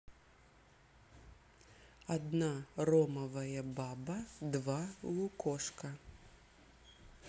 одна ромовая баба два лукошка